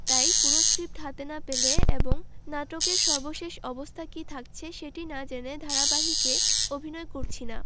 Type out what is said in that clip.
তাই পুরো স্ক্রিপ্ট হাতে না পেলে এবং নাটকের সর্বশেষ অবস্থা কী থাকছে সেটি না জেনে ধারাবাহিকে অভিনয় করছি না